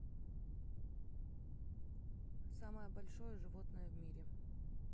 самое большое животное в мире